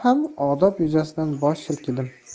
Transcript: ham odob yuzasidan bosh silkidim